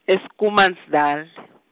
e- Schoemansdal.